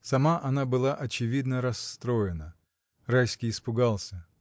Сама она была очевидно расстроена. Райский испугался.